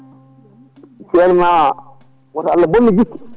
ceerno woto Allah bonnu jikku